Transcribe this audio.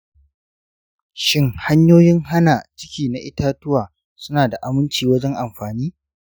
shin hanyoyin hana ciki na itatuwa suna da aminci wajen amfani?